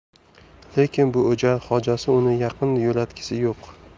lekin bu o'jar xojasi uni yaqin yo'latgisi yo'q